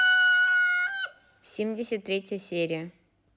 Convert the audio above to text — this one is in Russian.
семьдесят третья серия